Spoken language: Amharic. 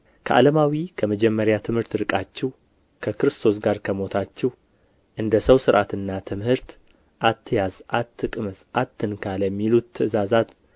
ከዓለማዊ ከመጀመሪያ ትምህርት ርቃችሁ ከክርስቶስ ጋር ከሞታችሁ እንደ ሰው ሥርዓትና ትምህርት አትያዝ አትቅመስ አትንካ ለሚሉት ትእዛዛት